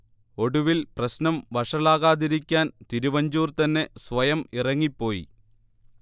ഒടുവിൽ പ്രശ്നം വഷളാകാതിക്കാൻ തിരുവഞ്ചൂർ തന്നെ സ്വയം ഇറങ്ങി പോയി